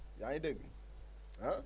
yaa ngi dégg ah